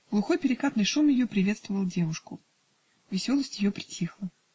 Глухой, перекатный шум ее приветствовал девушку. Веселость ее притихла.